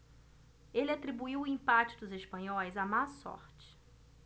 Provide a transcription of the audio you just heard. ele atribuiu o empate dos espanhóis à má sorte